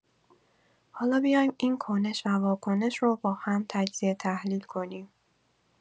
حالا بیایم این کنش و واکنش رو باهم تجزیه تحلیل کنیم.